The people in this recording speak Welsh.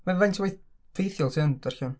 fa- faint o waith ffeithiol ti yn darllen?